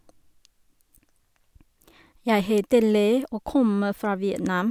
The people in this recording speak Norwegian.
Jeg heter Le og kommer fra Vietnam.